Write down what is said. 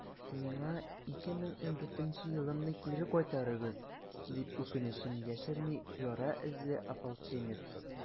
«миңа 2014 елымны кире кайтарыгыз!» - дип, үкенечен яшерми яра эзле ополченец.